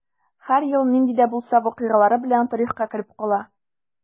Һәр ел нинди дә булса вакыйгалары белән тарихка кереп кала.